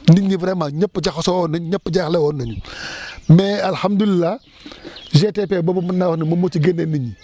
nit ñi vraiment ñëpp a jaxasoo woon nañ ñëpp jaaxle woon nañu mais alhamdulilah GTP boobu mun naa wax ne moom moo ci génne nit ñi